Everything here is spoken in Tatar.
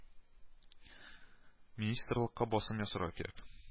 Министрлыкка басым ясарга кирәк